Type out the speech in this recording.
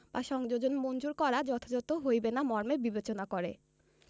বা সংযোজন মঞ্জুর করা যথাযথ হইবে না মর্মে বিবেচনা করে